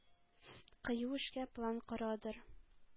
Кыю эшкә план корадыр.